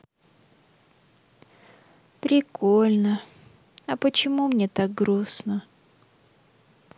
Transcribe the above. прикольно а почему мне так грустно